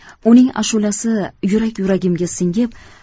uning ashulasi yurak yuragimga singib